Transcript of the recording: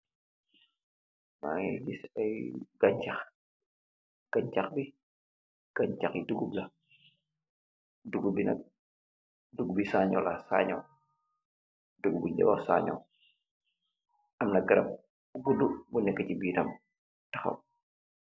Mangé gis ay gañcax, gañcax bi gañcax yi duggub la, dugub bi nak dugubi saaño la saño, dugub bung de wax saaño, amna garab buggudu bu nekk ci biiram taxaw.